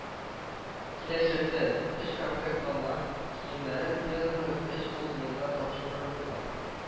Киләчәктә, өч комплект ханнар киемнәрен Пензаның өч музеена тапшырырлар